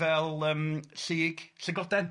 ...fel yym llyg, llygoden.